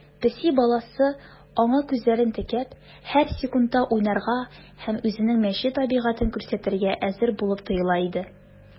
Песи баласы, аңа күзләрен текәп, һәр секундта уйнарга һәм үзенең мәче табигатен күрсәтергә әзер булып тоела иде.